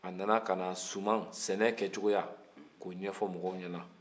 a nana kana suman sɛnɛ kɛ cogoya k'o ɲɛfɔ mɔgɔw ɲɛna